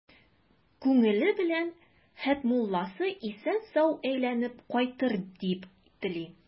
Күңеле белән Хәтмулласы исән-сау әйләнеп кайтыр дип тели.